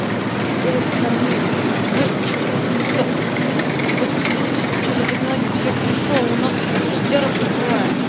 да я тут все на нервах потому что знаешь потому почему потому что в москве все тучи разогнали у них все хорошо а у нас тут дождяра поливает